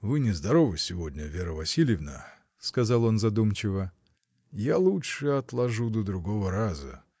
— Вы нездоровы сегодня, Вера Васильевна, — сказал он задумчиво, — я лучше отложу до другого раза.